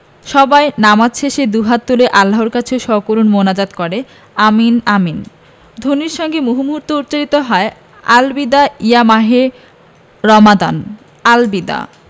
সবাই নামাজ শেষে দুহাত তুলে আল্লাহর কাছে সকরুণ মোনাজাত করে আমিন আমিন ধ্বনির সঙ্গে মুহুর্মুহু উচ্চারিত হয় আল বিদা ইয়া মাহে রমাদান আল বিদা